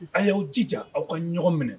Aw y'aw jija aw ka ɲɔgɔn minɛ